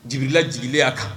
Dibila jya kan